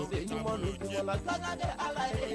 Diɲɛla sa ni ala ye